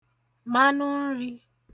manụ nrī